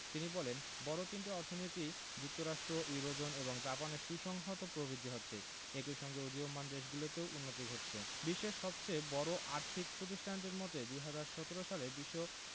তিনি বলেন বড় তিনটি অর্থনীতি যুক্তরাষ্ট্র ইউরোজোন এবং জাপানের সুসংহত প্রবৃদ্ধি হচ্ছে একই সঙ্গে উদীয়মান দেশগুলোতেও উন্নতি ঘটছে বিশ্বের সবচেয়ে বড় আর্থিক প্রতিষ্ঠানটির মতে ২০১৭ সালে বিশ্ব